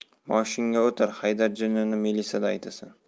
moshinga o'tir haydar jinnini melisada aytasan